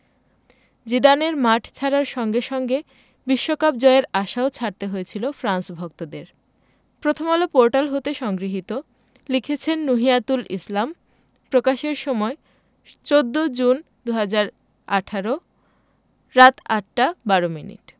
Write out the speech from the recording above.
জিদানের মাঠ ছাড়ার সঙ্গে সঙ্গে বিশ্বকাপ জয়ের আশাও ছাড়তে হয়েছিল ফ্রান্স ভক্তদের প্রথমআলো পোর্টাল হতে সংগৃহীত লিখেছেন নুহিয়াতুল ইসলাম প্রকাশের সময় ১৪জুন ২০১৮ রাত ৮টা ১২ মিনিট